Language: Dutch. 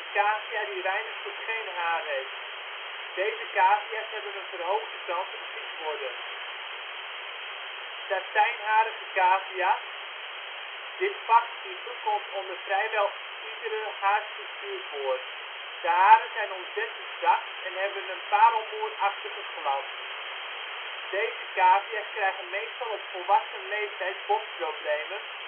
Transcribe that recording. cavia die weinig tot geen haar heeft. Deze cavia 's hebben een verhoogde kans op ziek worden. Satijnharige cavia 's, dit vachttype komt onder vrijwel iedere haarstructuur voor. De haren zijn ontzettend zacht en hebben een parelmoerachtige glans. Deze cavia 's krijgen meestal op volwassen leeftijd botproblemen